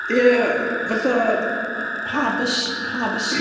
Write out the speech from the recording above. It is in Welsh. Ia fatha pa bws... pa bwsy...